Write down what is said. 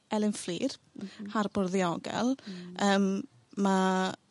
Elen Fflyr, Harbwr Ddiogel. Yym ma'